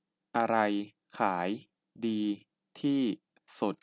อะไรขายดีที่สุด